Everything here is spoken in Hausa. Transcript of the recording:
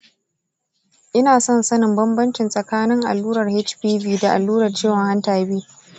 ina son sanin bambanci tsakanin allurar hpv da allurar ciwon hanta b.